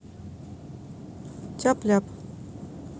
тяп ляп